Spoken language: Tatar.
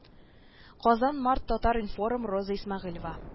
Казан март татар-информ роза исмәгыйлова